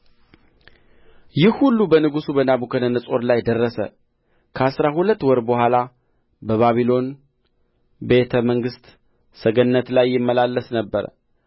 ይህ ሁሉ በንጉሡ በናቡከደነፆር ላይ ደረሰ ከአሥራ ሁለት ወር በኋላ በባቢሎን ቤተ መንግሥት ሰገነት ላይ ይመላለስ ነበር